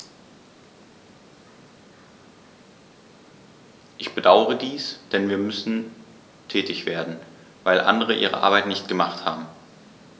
Ich bedauere dies, denn wir müssen tätig werden, weil andere ihre Arbeit nicht gemacht haben.